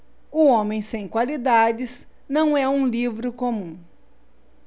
o homem sem qualidades não é um livro comum